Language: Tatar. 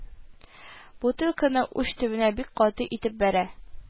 Бутылканы уч төбенә бик каты итеп бәрә